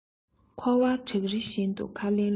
འཁོར བ བྲག རི བཞིན དུ ཁ ལན སློག